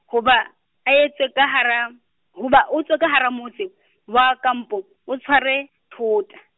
hoba, a etse ka hara, hoba o tswe ka hara motse , wa kampo, o tshware, thota.